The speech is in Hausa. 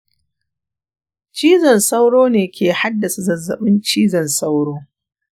cizon sauro ne ke haddasa zazzabin cizon sauro.